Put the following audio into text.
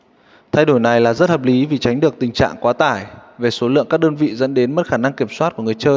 thay đổi này là rất hợp lý vì tránh được tình trạng quá tải về số lượng các đơn vị dẫn đến mất khả năng kiểm soát của người chơi